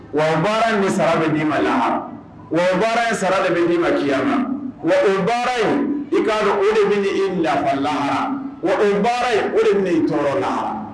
Wa o baara in de sara bɛ d'i ma lahara wa o baara in sara de bɛ d'i ma kiyama wa o baara in i k'a dɔn o de beni e nafa lahara wa o baara in o de bena i tɔɔrɔ lahara